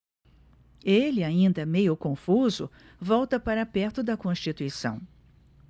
ele ainda meio confuso volta para perto de constituição